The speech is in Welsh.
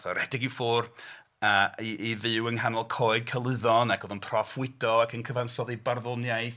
Wnaeth o redeg i ffwrdd, yy i fyw yng nghanol Coed Celyddon ac oedd o'n proffwydo ac yn cyfansoddi barddoniaeth.